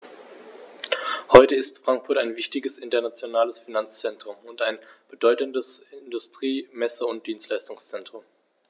Heute ist Frankfurt ein wichtiges, internationales Finanzzentrum und ein bedeutendes Industrie-, Messe- und Dienstleistungszentrum.